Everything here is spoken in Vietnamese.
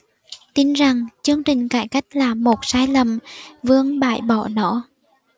tin rằng chương trình cải cách là một sai lầm vương bãi bỏ nó